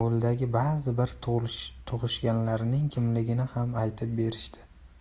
ovuldagi ba'zi bir tug'ishganlarining kimligini ham aytib berishdi